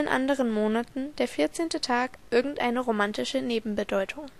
anderen Monaten der 14. Tag irgendeine romantische Nebenbedeutung